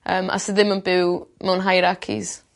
yym a sy ddim yn byw mewn hierarchies.